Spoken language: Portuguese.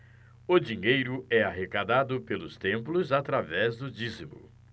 o dinheiro é arrecadado pelos templos através do dízimo